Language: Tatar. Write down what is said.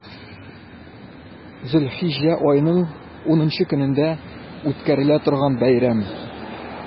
Зөлхиҗҗә аеның унынчы көнендә үткәрелә торган бәйрәм.